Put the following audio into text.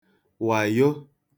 wàyo